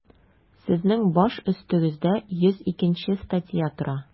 Сезнең баш өстегездә 102 нче статья тора.